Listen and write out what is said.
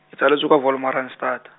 ke tsaletswe kwa Wolmaranstad.